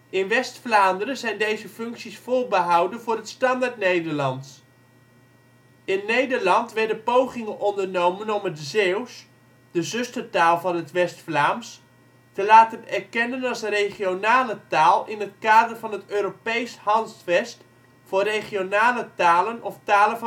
In West-Vlaanderen zijn deze functies voorbehouden voor het Standaardnederlands. In Nederland werden pogingen ondernomen om het Zeeuws (zustertaal van het West-Vlaams) te laten erkennen als regionale taal in het kader van het Europees Handvest voor regionale talen of talen